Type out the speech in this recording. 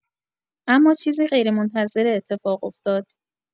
اما چیزی غیرمنتظره اتفاق افتاد.